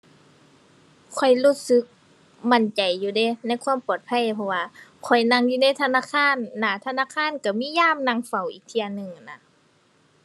ข้อยรู้สึกมั่นใจอยู่เดะ ในความปลอดภัย เพราะว่าข้อยนั่งอยู่ในธนาคาร หน้าธนาคารก็มียามนั่งเฝ้าอีกเที่ยหนึ่งอะนะ